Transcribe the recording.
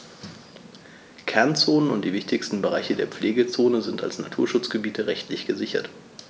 Kernzonen und die wichtigsten Bereiche der Pflegezone sind als Naturschutzgebiete rechtlich gesichert.